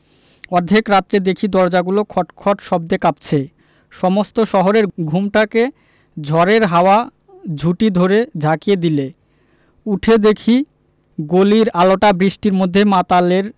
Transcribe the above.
অর্ধেক রাত্রে দেখি দরজাগুলো খটখট শব্দে কাঁপছে সমস্ত শহরের ঘুমটাকে ঝড়ের হাওয়া ঝুঁটি ধরে ঝাঁকিয়ে দিলে উঠে দেখি গলির আলোটা বৃষ্টির মধ্যে মাতালের